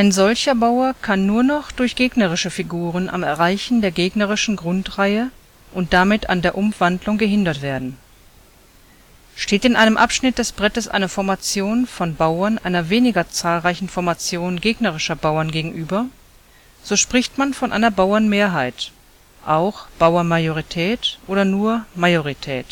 solcher Bauer kann nur noch durch gegnerische Figuren am Erreichen der gegnerischen Grundreihe und damit an der Umwandlung gehindert werden. Steht in einem Abschnitt des Brettes eine Formation von Bauern einer weniger zahlreichen Formation gegnerischer Bauern gegenüber, so spricht man von einer Bauernmehrheit (auch: Bauernmajorität oder nur Majorität). Der